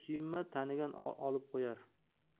suyunma tanigan olib qo'yar